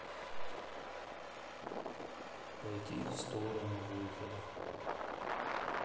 пойти в сторону выхода